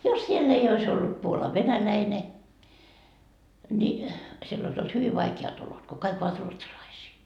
jos siellä ei olisi ollut Puolan venäläinen niin siellä olisi ollut hyvin vaikeat olot kun kaikki ovat ruotsalaisia